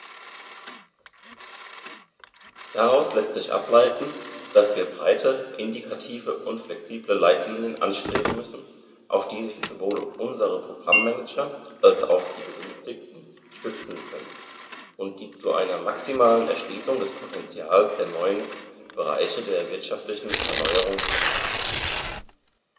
Daraus lässt sich ableiten, dass wir breite, indikative und flexible Leitlinien anstreben müssen, auf die sich sowohl unsere Programm-Manager als auch die Begünstigten stützen können und die zu einer maximalen Erschließung des Potentials der neuen Bereiche der wirtschaftlichen Erneuerung beitragen.